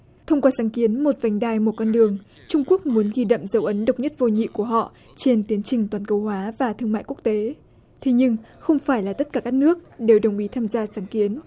thông qua sáng kiến một vành đai một con đường trung quốc muốn ghi đậm dấu ấn độc nhất vô nhị của họ trên tiến trình toàn cầu hóa và thương mại quốc tế thế nhưng không phải là tất cả các nước đều đồng ý tham gia sáng kiến